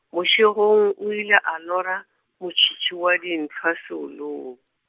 bošegong o ile a lora, motšhitšhi wa dintlhwa seolong.